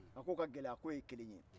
a k'o ka gɛlɛn a k'o ye kelen ye